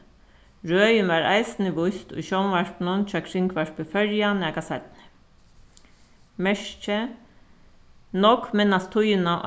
røðin varð eisini víst í sjónvarpinum hjá kringvarpi føroya nakað seinni merkið nógv minnast tíðina